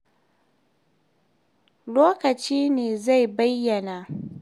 Lokaci ne zai bayyana.